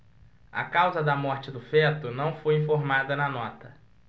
a causa da morte do feto não foi informada na nota